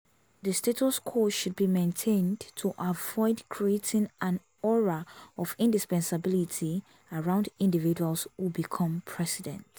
The status quo should be maintained to avoid creating an aura of indispensability around individuals who become President.